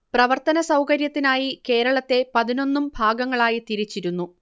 പ്രവർത്തന സൗകര്യത്തിനായി കേരളത്തെ പതിനൊന്നും ഭാഗങ്ങളായി തിരിച്ചിരുന്നു